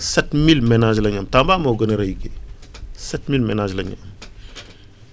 sept mille ménages la ñu am Tamba moo gën a rëy sept mille ménages la ñu am